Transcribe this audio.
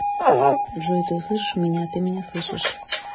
джой ты услышишь меня ты меня слышишь